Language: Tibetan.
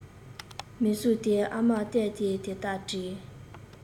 མིག ཟུང དེ ཨ མར གཏད དེ དེ ལྟར དྲིས